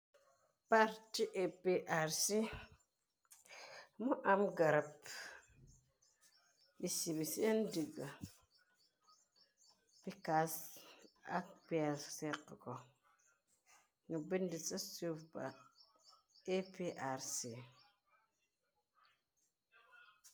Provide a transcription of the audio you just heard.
Parti aprc mu am garab yi sibi seen digga bikas ak pier fekx ko nu bindil ca suf bak aprc.